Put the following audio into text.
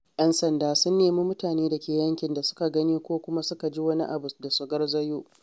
‘Yan sanda sun nemi mutane da ke yankin da suka gani ko kuma suka ji wani abu da su garzayo.